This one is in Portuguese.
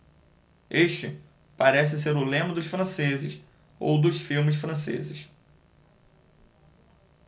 este parece ser o lema dos franceses ou dos filmes franceses